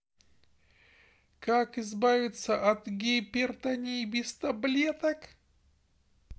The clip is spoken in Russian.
как избавиться от гипертонии без таблеток